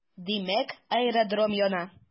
Димәк, аэродром яна.